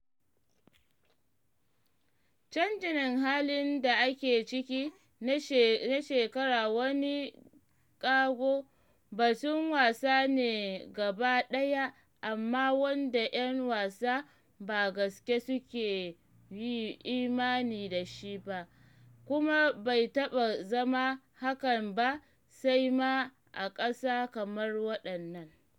Canjin halin da ake cikin na shekar wani ƙago batun wasa ne gaba ɗaya amma wanda ‘yan wasa da gaske suka yi imani da shi, kuma bai taɓa zama hakan ba sai ma a gasa kamar waɗannan.